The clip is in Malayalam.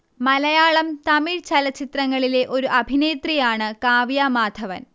മലയാളം തമിഴ് ചലച്ചിത്രങ്ങളിലെ ഒരു അഭിനേത്രിയാണ് കാവ്യ മാധവൻ